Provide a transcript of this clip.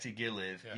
at ei gilydd ia.